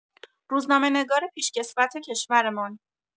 روزنامه‌نگار پیشکسوت کشورمان